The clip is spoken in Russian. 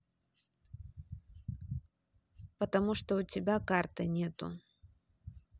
потому что у тебя карты нету